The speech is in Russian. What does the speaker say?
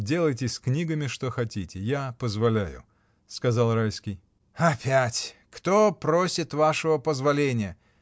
— Делайте с книгами что хотите, я позволяю! — сказал Райский. — Опять! Кто просит вашего позволения?